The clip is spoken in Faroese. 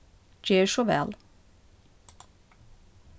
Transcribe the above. ger so væl